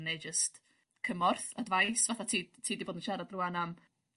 neu jyst cymorth advice fatha ti ti 'di bod yn siarad rŵan am